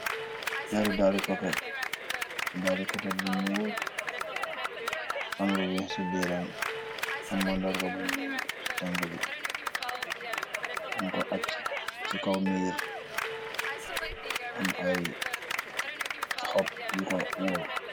Perri dali coket dalli coket bu nyul am lu wéex ci béram am ma ndarga buñyul ci tang bi ñu ko acc ci kaw miir am ay xop yu ko wool.